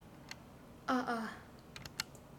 ཨ ཨ